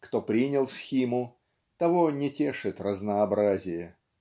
кто принял схиму, того не тешит разнообразие.